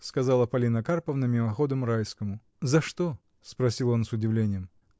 — сказала Полина Карповна мимоходом Райскому. — За что? — спросил он с удивлением.